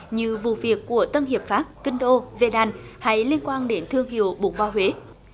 như vụ việc của tân hiệp phát kinh đô về đàn hay liên quan đến thương hiệu bún bò huế